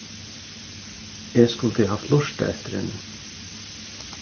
eg skuldi havt lurtað eftir henni